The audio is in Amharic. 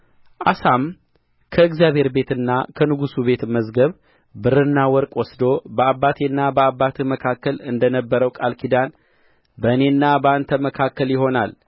አሳም ከእግዚአብሔር ቤትና ከንጉሡ ቤት መዝገብ ብርና ወርቅ ወስዶ በአባቴና በአባትህ መካከል እንደ ነበረው ቃል ኪዳን በእኔና በአንተ መካከል ይሆናል